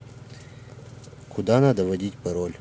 куда надо вводить пароль